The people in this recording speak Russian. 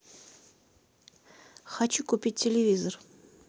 хочу купить телевизор